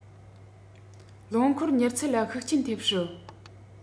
རློང འཁོར མྱུར ཚད ལ ཤུགས རྐྱེན ཐེབས སྲིད